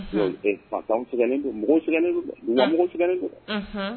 Cɛ anw sɛgɛlen don, mɔgɔw sɛgɛlen don, unhun, yan mɔgɔ sɛgɛlen don dɛ, unhun.